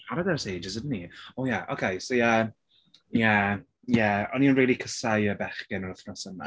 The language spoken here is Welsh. ...siarad ers ages ydyn ni? O ie. Ok so ie. Ie. Ie o'n i'n rili casau y bechgyn yr wythnos yna.